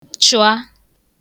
chụ̀a